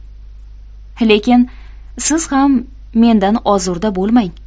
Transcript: lekin siz ham mendan ozurda bo'lmang